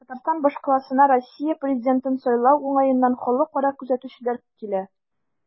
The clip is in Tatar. Татарстан башкаласына Россия президентын сайлау уңаеннан халыкара күзәтүчеләр килә.